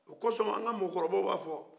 o kosɔn an ka mɔgɔkɔrɔbaw b'a fɔ